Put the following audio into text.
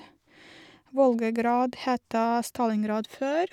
Volgograd het Stalingrad før.